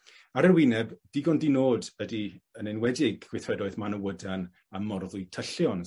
ar yr wyneb digon dinod ydi yn enwedig gweithredoedd Manewydan a Morddwy Tyllion,